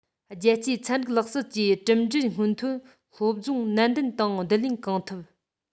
རྒྱལ སྤྱིའི ཚན རིག ལག རྩལ གྱི གྲུབ འབྲས སྔོན ཐོན སློབ སྦྱོང ནན ཏན དང བསྡུ ལེན གང ཐུབ